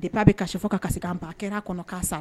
De b'a bɛ ka kasi fɔ ka kasi' ba kɛra kɔnɔ k' sara